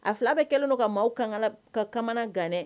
A fila bɛ kɛlen don ka maaw kan kamana ganɛ